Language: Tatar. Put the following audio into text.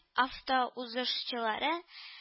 Автоузышчылары